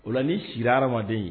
Ola la ni siri hadamaden ye